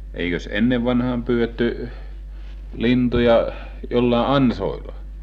eikös ennen vanhaan pyydetty lintuja jollakin ansoilla